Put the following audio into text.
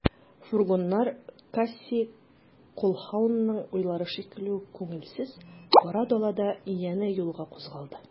Фургоннар Кассий Колһаунның уйлары шикелле үк күңелсез, кара далада янә юлга кузгалды.